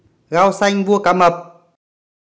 gao xanh vua cá mập